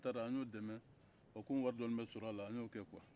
n taara n y'o dɛmɛ kɔmi wari dɔɔnin bɛ sɔr'a la n y'o kɛ kuwa